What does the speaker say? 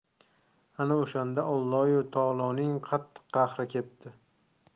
ana o'shanda olloyi taoloning qattiq qahri kepti